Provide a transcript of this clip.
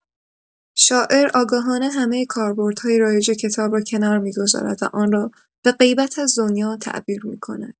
شاعر آگاهانه همه کاربردهای رایج کتاب را کنار می‌گذارد و آن را به «غیبت از دنیا» تعبیر می‌کند.